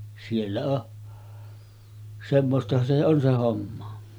siellä on semmoistahan se on se homma